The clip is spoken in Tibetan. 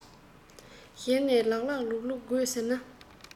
གཞན ནས ལགས ལགས ལུགས ལུགས དགོས ཟེར ན